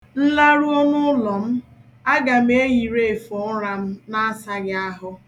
M laruo n'ụlọ m, aga m eyiri efe ụra m na-asaghị ahụ.